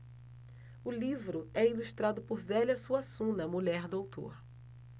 o livro é ilustrado por zélia suassuna mulher do autor